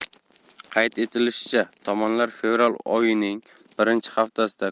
qayd etilishicha tomonlar fevral oyining birinchi haftasida